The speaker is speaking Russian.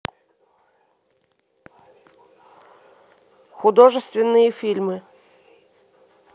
художественные фильмы